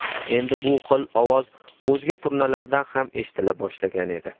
endi bu xil ovoz o'zga turnalardan ham eshitila boshlagan edi